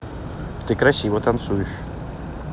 ты красиво танцуешь